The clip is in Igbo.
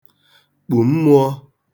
kpù mmụ̄ọ̄